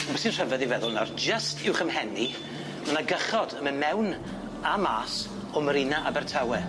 On' be' sy'n rhyfedd i feddwl nawr, jyst uwch 'ym mhen i ma' 'ny gychod yn myn' mewn a mas o Marina Abertawe.